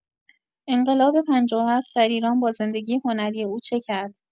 انقلاب ۵۷ در ایران با زندگی هنری او چه کرد؟